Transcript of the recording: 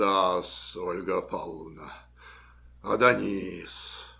- Да-с, Ольга Павловна, Адонис.